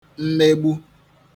mmegbu